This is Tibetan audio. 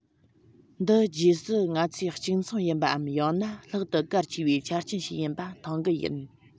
འདི རྗེས སུ ང ཚོས གཅིག མཚུངས ཡིན པའམ ཡང ན ལྷག ཏུ གལ ཆེ བའི ཆ རྐྱེན ཞིག ཡིན པ མཐོང གི ཡིན